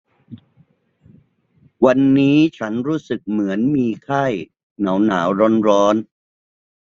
วันนี้ฉันรู้สึกเหมือนมีไข้หนาวหนาวร้อนร้อน